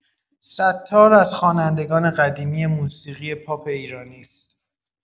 ستار از خوانندگان قدیمی موسیقی پاپ ایرانی است.